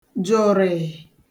jụ̀rị̀ị̀